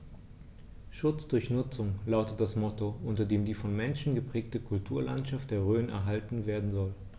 „Schutz durch Nutzung“ lautet das Motto, unter dem die vom Menschen geprägte Kulturlandschaft der Rhön erhalten werden soll.